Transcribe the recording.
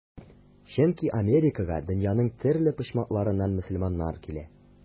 Чөнки Америкага дөньяның төрле почмакларыннан мөселманнар килә.